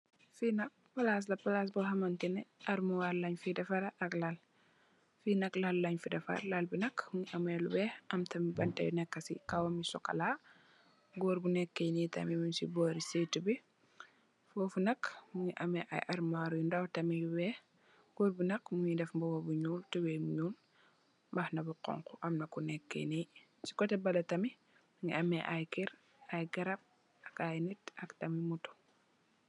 Fii nak palaas la, palaasi almuwaar lañ fi deferee ak lal. Fii nak, lal lañ fi defer, lal bi nak, mu ngi am lu weex, am tam bantë yu neekë, si kow lu sokolaa, boor bu nekké nii tam muñ si boori séétu bi, foof nak, mu ngi am ay almuwaar yu ndaw tamit, am yu weex. Goor bi nak mu ngi def mbuba bu ñuul, tubooy bu ñuul, mbaxana bu xoñxu, am na ku nekké ni, si kotte bali tamit, mu amee ay ker, ay garab, ak ay nit, ak "motto."